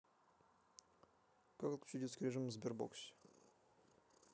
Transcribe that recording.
как отключить детский режим в сбербоксе